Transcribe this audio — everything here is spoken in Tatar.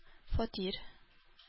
Фатир